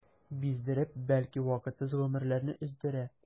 Биздереп, бәлки вакытсыз гомерләрне өздерә.